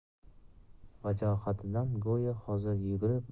vajohatidan go'yo hozir yugurib